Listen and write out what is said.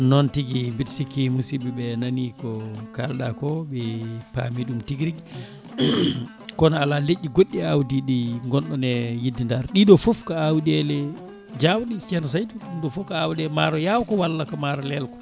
noon tigui mbiɗi sikki musibɓeɓe nani ko kalɗa ko ɓe paami ɗum tigui rigui kono ala leƴƴi goɗɗi awdi ɗi gonɗon e yidde darde ɗiɗo foof ko awɗele jawɗe ceerno Saydou ɗum ɗo foof ko awɗele maaro yawko walla ko maaro lelko